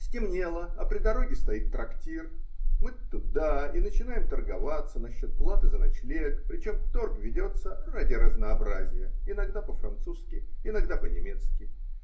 Стемнело, а при дороге стоит трактир, мы туда и начинаем торговаться насчет платы за ночлег, причем торг ведется, ради разнообразия, иногда по-французски, иногда по-немецки